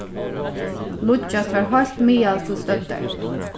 líggjas var heilt miðal til støddar